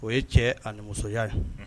O ye cɛ ani ni musoya ye, unhun.